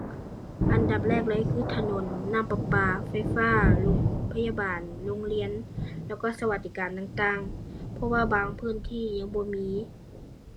อันดับแรกเลยคือถนน น้ำประปา ไฟฟ้า โรงพยาบาล โรงเรียน แล้วก็สวัสดิการต่างต่าง เพราะว่าบางพื้นที่บ่มี